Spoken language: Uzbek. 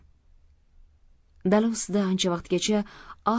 dala ustida ancha vaqtgacha